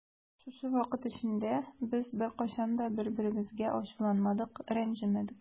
Шушы вакыт эчендә без беркайчан да бер-беребезгә ачуланмадык, рәнҗемәдек.